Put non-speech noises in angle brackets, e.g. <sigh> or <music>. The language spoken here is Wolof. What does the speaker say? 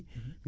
<hesitation> <hesitation>